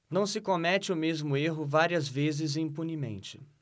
não se comete o mesmo erro várias vezes impunemente